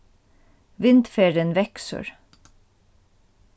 vindferðin veksur